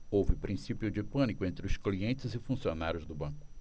houve princípio de pânico entre os clientes e funcionários do banco